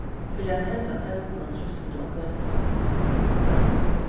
fyri at tendra telduna trýstir tú á knøttin